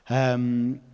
Yym...